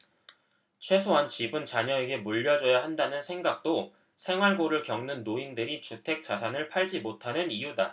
최소한 집은 자녀에게 물려줘야 한다는 생각도 생활고를 겪는 노인들이 주택 자산을 팔지 못하는 이유다